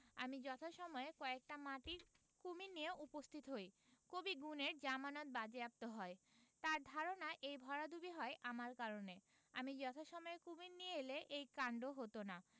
আমি যথাসময়ে কয়েকটা মাটির কুমীর নিয়ে উপস্থিত হই কবি গুণের জামানত বাজেয়াপ্ত হয় তাঁর ধারণা এই ভরাডুবি হয় আমার কারণে আমি যথাসময়ে কুমীর নিয়ে এলে এই কান্ড হত না